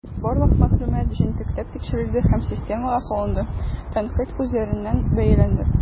Барлык мәгълүмат җентекләп тикшерелде һәм системага салынды, тәнкыйть күзлегеннән бәяләнде.